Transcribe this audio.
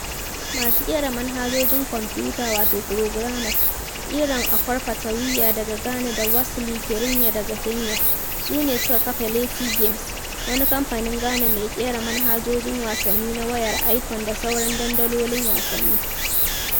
Masu ƙera manhajojin kwamfuta, wato programmers, Eyram Akorfa Tawiah daga Ghana da Wesley Kirinya daga Kenya, su ne suka kafa Leti Games, wani kamfanin Ghana mai ƙera manhajojin wasanni na wayar iPhone da sauran dandalolin wasanni.